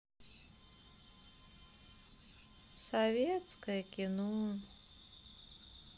советское кино